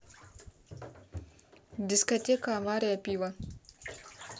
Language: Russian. дискотека авария пиво